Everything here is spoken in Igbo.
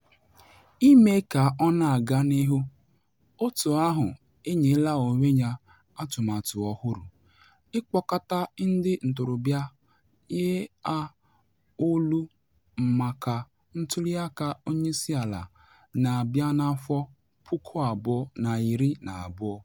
Ime ka ọ na-aga n'ihu, otu ahụ enyela onwe ya atụmatụ ọhụrụ: ịkpọkọta ndị ntorobịa, nye ha olu maka ntuliaka onyeisala na-abịa n'afọ puku abụọ na iri na abụọ.